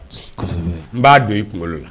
N'a don i kunkolo la